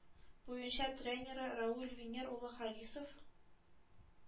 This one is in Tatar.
Буенча тренеры равил венер улы харисов